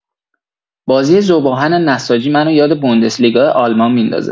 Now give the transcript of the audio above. بازی ذوب‌آهن نساجی منو یاد بوندسلیگا آلمان میندازه